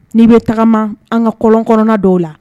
N'i bɛ tagama an ka kɔlɔnk dɔw la